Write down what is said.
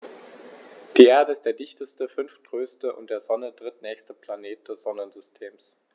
Die Erde ist der dichteste, fünftgrößte und der Sonne drittnächste Planet des Sonnensystems.